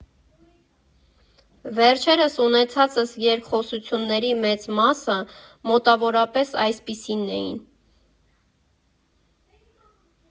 Վերջերս ունեցածս երկխոսությունների մեծ մասը մոտավորապես այսպիսին էին.